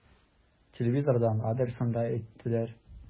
Телевизордан адресын да әйттеләр.